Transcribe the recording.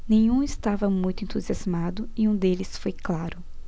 nenhum estava muito entusiasmado e um deles foi claro